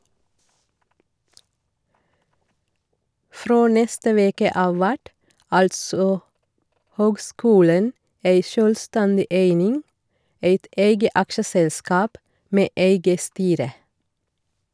Frå neste veke av vert altså høgskulen ei sjølvstendig eining, eit eige aksjeselskap med eige styre.